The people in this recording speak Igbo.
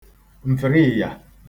m̀fị̀rịị̀ghà